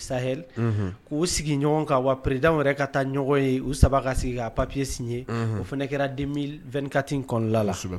Sa k'u sigi ɲɔgɔn ka wa peredda yɛrɛ ka taa ɲɔgɔn ye u saba ka sigi papiyesi ye o fana kɛra den2kati kɔnɔna la la